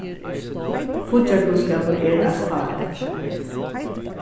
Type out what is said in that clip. fíggjarbúskapur er eitt fak